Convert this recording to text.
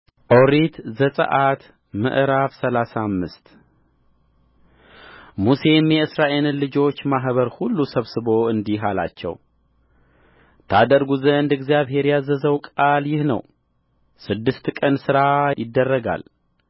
ኦሪት ዘጽአት ምዕራፍ ሰላሳ አምስት ሙሴም የእስራኤልን ልጆች ማኅበር ሁሉ ሰብስቦ እንዲህ አላቸው ታደርጉ ዘንድ እግዚአብሔር ያዘዘው ቃል ይህ ነው ስድስት ቀን ሥራ ይደረጋል